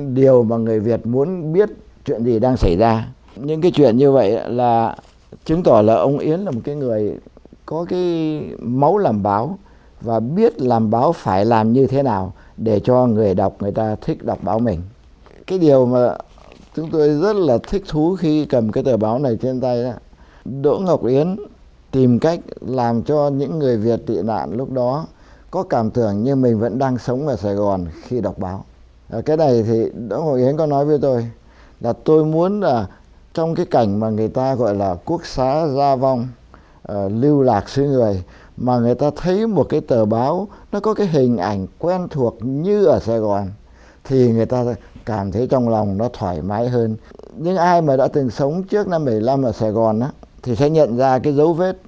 điều mà người việt muốn biết chuyện gì đang xảy ra những cái chuyện như vậy á là chứng tỏ là ông yến là một cái người có cái máu làm báo và biết làm báo phải làm như thế nào để cho người đọc người ta thích đọc báo mình cái điều mà chúng tôi rất là thích thú khi cầm cái tờ báo này trên tay á đỗ ngọc yến tìm cách làm cho những người việt tị nạn lúc đó có cảm tưởng như mình vẫn đang sống ở sài gòn khi đọc báo ở cái này thì đỗ ngọc yến có nói với tôi là tôi muốn là trong cái cảnh mà người ta gọi là quốc xã gia vong lưu lạc xứ người mà người ta thấy một cái tờ báo nó có cái hình ảnh quen thuộc như ở sài gòn thì người ta cảm thấy trong lòng nó thoải mái hơn những ai mà đã từng sống trước năm bảy năm ở sài gòn á thì sẽ nhận ra cái dấu vết